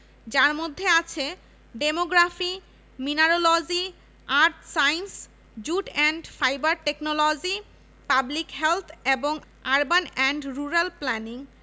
এছাড়া ইংরেজি জার্মান ফরাসি চীনা আরবি ও জাপানি ভাষা শেখানোর জন্য একটি আধুনিক ভাষা ইনস্টিটিউট নির্মাণাধীন রয়েছে